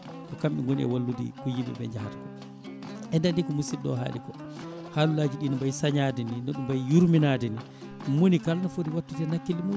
ko kamɓe gooni e wallude ko yimɓeɓe jahata en nani ko musidɗo o haali ko haalullaji ɗi no mbayi sañade ni nooɗi mbayi yurminade ni monikala ne footi wattu hen hakkille muɗum